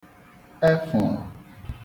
efụrụ̀